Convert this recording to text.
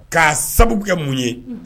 K'a sababu kɛ mun ye